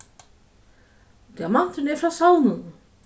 diamanturin er frá savninum